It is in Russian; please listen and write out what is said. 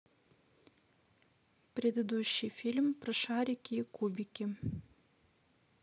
предыдущий фильм про шарики и кубики